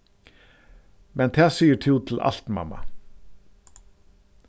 men tað sigur tú til alt mamma